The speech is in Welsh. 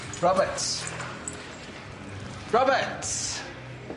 Roberts. Roberts!